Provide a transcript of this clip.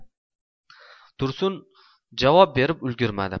tursun javob berib ulgurmadi